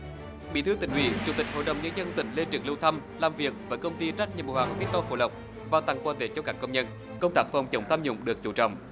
bí thư tỉnh ủy chủ tịch hội đồng nhân dân tỉnh lê trường lưu thăm làm việc với công ty trách nhiệm hữu hạn vích to phú lộc và tặng quà tết cho các công nhân công tác phòng chống tham nhũng được chú trọng